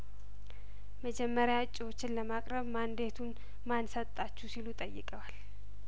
መጀመሪያእጩዎችን ለማቅረብ ማንዴቱን ማን ሰጣችሁ ሲሉ ጠይቀዋል